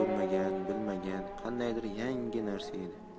bilmagan qandaydir yangi narsa edi